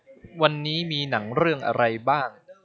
วันนี้มีหนังเรื่องอะไรบ้าง